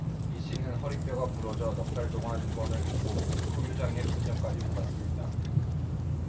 이 씨는 허리뼈가 부러져 넉 달 동안 입원을 했고 후유장애 판정까지 받았습니다